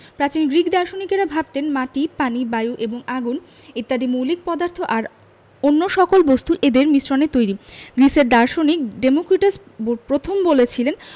প্রাচীন গ্রিক দার্শনিকেরা ভাবতেন মাটি পানি বায়ু এবং আগুন ইত্যাদি মৌলিক পদার্থ আর অন্য সকল বস্তু এদের মিশ্রণে তৈরি গ্রিসের দার্শনিক ডেমোক্রিটাস প্রথম বলেছিলেন